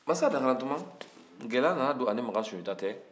masa dankarauma gɛlɛya nana don ani makan sunjata cɛ